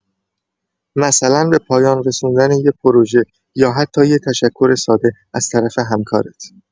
مثلا به پایان رسوندن یه پروژه، یا حتی یه تشکر ساده از طرف همکارت.